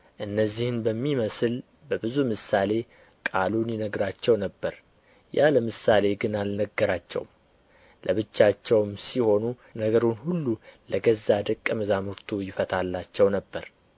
እነዚህን በሚመስል በብዙ ምሳሌ ቃሉን ይነግራቸው ነበር ያለ ምሳሌ ግን አልነገራቸውም ለብቻቸውም ሲሆኑ ነገሩን ሁሉ ለገዛ ደቀ መዛሙርቱ ይፈታላቸው ነበር